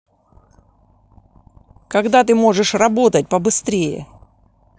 когда ты можешь работать побыстрее